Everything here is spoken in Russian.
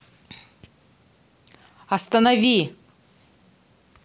останови